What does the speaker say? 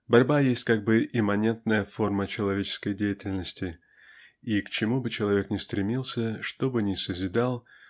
Борьба есть как бы имманентная форма человеческой деятельности и к чему бы человек ни стремился что бы ни созидал